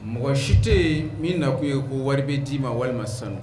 Mɔgɔ si tɛ yen min nakun ye ko wari bɛ d'i ma walima sanu.